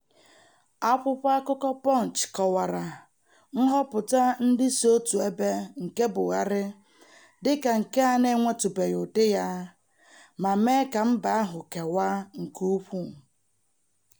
Akwụkwọ akụkọ Punch kọwara "nhọpụta ndị si otu ebe" nke Buhari dị ka "nke a na-enwetụbeghị ụdị ya" ma mee ka mba ahụ kewaa nke ukwuu.